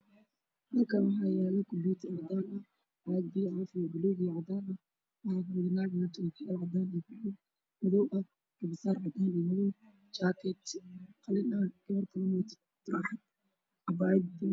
Meeshaan waxaa yaalo kumiiter cadaan, caag biyo caafi buluug iyo cadaan ah, waxaa fadhiso gabar ookiyaalo madow, garbasaar madow iyo cadaan ah, jaakad qalin ah cabaayad buluug ah.